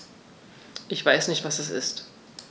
Ich weiß nicht, was das ist.